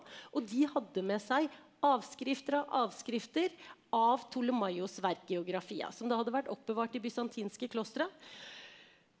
og de hadde med seg avskrifter av avskrifter av Ptolemaios' verk Geografia som da hadde vært oppbevart i bysantinske klostre.